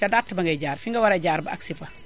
ca dàtt ba ngay jaar fi nga war a jaar ba àgg si fa